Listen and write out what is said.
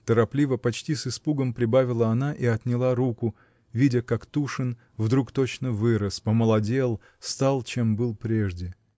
— торопливо, почти с испугом, прибавила она и отняла руку, видя, как Тушин вдруг точно вырос, помолодел, стал чем был прежде.